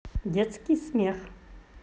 детский смех